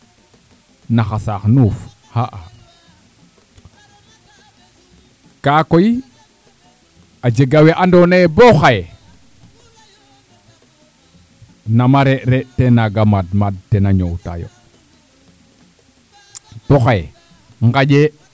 naxa saax nuun kaa koy a jega wee andoona yee boo xaye nama reɗ reɗ tee naaga maad maad tena ñoowtaayo to xaye nqaƴee